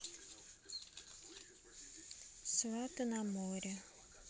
сваты на море